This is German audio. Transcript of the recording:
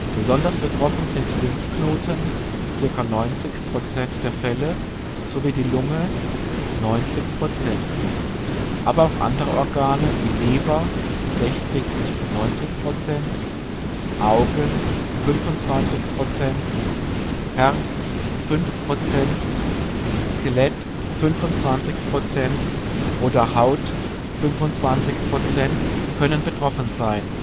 Besonders betroffen sind Lymphknoten (90 % der Fälle) sowie die Lunge (90 %). Aber auch andere Organe wie Leber (60-90 %), Augen (25 %), Herz (5 %), Skelett (25 %) oder Haut (25 %) können betroffen sein